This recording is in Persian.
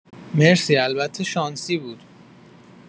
مرسی البته شانسی بود